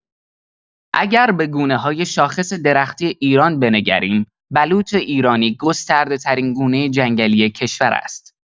اگر به گونه‌های شاخص درختی ایران بنگریم، بلوط ایرانی گسترده‌‌ترین گونه جنگلی کشور است.